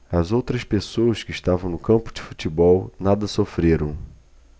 as outras pessoas que estavam no campo de futebol nada sofreram